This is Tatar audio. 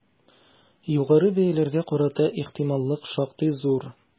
Югары бәяләргә карата ихтималлык шактый зур.